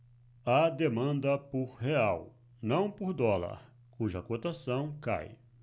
há demanda por real não por dólar cuja cotação cai